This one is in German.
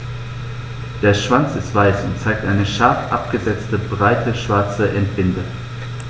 Der Schwanz ist weiß und zeigt eine scharf abgesetzte, breite schwarze Endbinde.